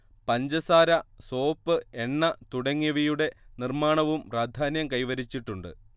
പഞ്ചസാര സോപ്പ് എണ്ണ തുടങ്ങിയവയുടെ നിർമ്മാണവും പ്രാധാന്യം കൈവരിച്ചിട്ടുണ്ട്